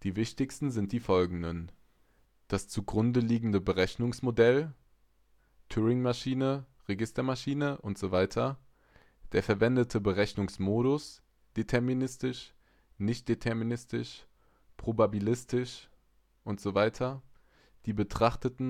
wichtigsten sind die folgenden: Das zugrunde liegende Berechnungsmodell (Turingmaschine, Registermaschine usw.). Der verwendete Berechnungsmodus (deterministisch, nichtdeterministisch, probabilistisch usw.). Die betrachtete